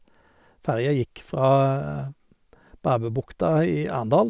Ferja gikk fra Barbubukta i Arendal, over til Pusnes.